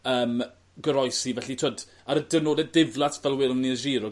yym goroesi felly t'wo ar y dirnode diflas fel welwn ni yn y Giro